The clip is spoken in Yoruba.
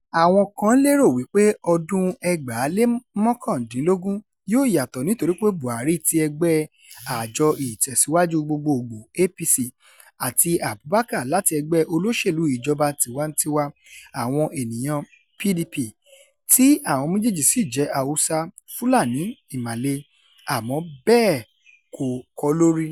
Àwọn kan lérò wípé ọdún-un 2019 yóò yàtọ̀ nítorí pé Buhari ti ẹgbẹ́ẹ Àjọ Ìtẹ̀síwájú Gbogboògbò (APC) àti Abubakar láti Ẹgbẹ́ olóṣèlú Ìjọba-tiwantiwa Àwọn Ènìyàn (PDP) tí àwọn méjèèjì sì jẹ́ Hausa, Fulani Ìmàle, àmọ́ bẹ́ẹ̀ kọ́ ló rí.